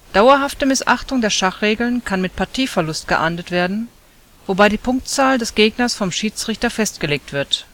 Dauerhafte Missachtung der Schachregeln kann mit Partieverlust geahndet werden, wobei die Punktzahl des Gegners vom Schiedsrichter festgelegt wird